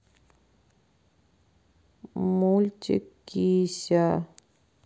мультик кися